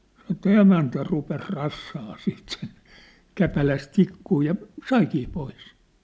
sanoi että emäntä rupesi rassaamaan siten sen käpälässä tikkua ja saikin pois